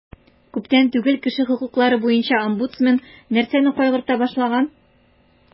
Күптән түгел кеше хокуклары буенча омбудсмен нәрсәне кайгырта башлаган?